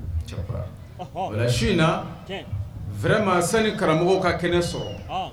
O la Su in na vraiment sanni karamɔgɔ ka kɛnɛ sɔrɔ